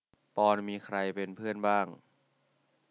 ปอนด์มีใครเป็นเพื่อนบ้าง